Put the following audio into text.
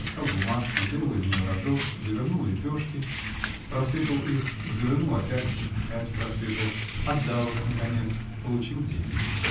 отыскал бумажку, сделал из нее рожок, завернул лепешки, просыпал их, завернул опять, опять просыпал, отдал их, наконец, получил деньги.